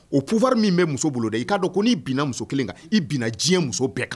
O pouvoir min bɛ muso bolo dɛ i k'a dɔn ko n'i bina muso 1 kan i bina diɲɛ muso bɛɛ kan.